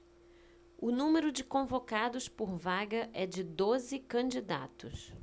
o número de convocados por vaga é de doze candidatos